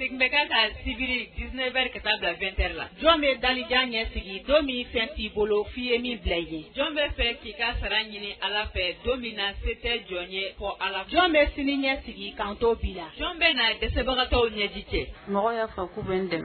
bɛ ka ka sibiri di7 bɛ ka taa bilafɛnɛ la jɔn bɛ dajan ɲɛsigi don min fɛn t'i bolo f'i ye min bila i ye jɔn bɛ fɛ k'i ka sara ɲini ala fɛ don min na se tɛ jɔn ye fɔ ala jɔn bɛ sini ɲɛ sigi kan tɔw' la jɔn bɛ na dɛsɛbagatɔw ɲɛ ji cɛ mɔgɔ fa bɛ dɛmɛ